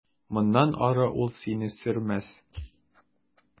Моннан ары ул сине сөрмәс.